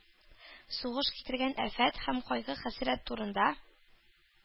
Сугыш китергән афәт һәм кайгы-хәсрәт турында